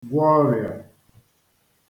gwọ ọrịà